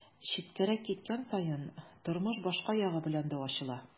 Читкәрәк киткән саен тормыш башка ягы белән дә ачыла.